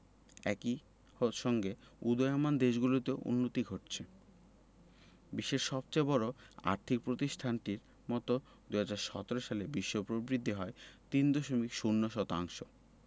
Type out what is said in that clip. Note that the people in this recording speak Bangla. একই সঙ্গে উদীয়মান দেশগুলোতেও উন্নতি ঘটছে বিশ্বের সবচেয়ে বড় আর্থিক প্রতিষ্ঠানটির মতে ২০১৭ সালে বিশ্ব প্রবৃদ্ধি হয় ৩.০ শতাংশ